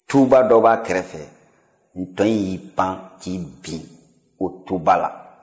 tuba dɔ b'a kɛrɛfɛ ntɔn in y'i pan k'i bin o tu bala